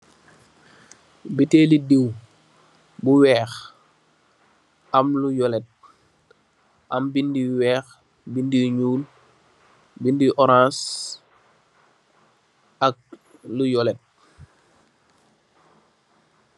Buteeli diw, bu weekh, am lu yolet, am bindi yu weekh, bindi yu nyuul, bindi yu oraas, ak lu yolet.